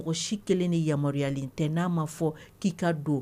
Mɔgɔ si kelen de yamaruyalen tɛ n'a ma fɔ k'i ka don